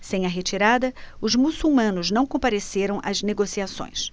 sem a retirada os muçulmanos não compareceram às negociações